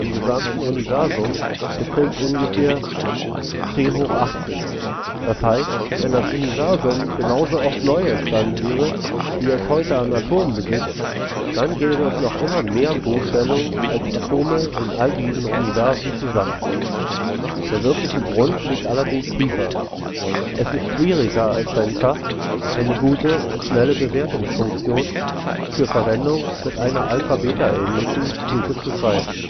gesamten Universum beträgt ungefähr, × 1080. Das heißt, wenn das Universum genauso oft neu entstanden wäre, wie es heute an Atomen besitzt. Dann gäbe es immer noch mehr Go-Stellungen als Atome in all diesen Universen zusammen. Der wirkliche Grund liegt allerdings tiefer: es ist schwieriger als im Schach, eine gute und schnelle Bewertungsfunktion für Verwendung mit einer Alpha-Beta-ähnlichen Suche zu schreiben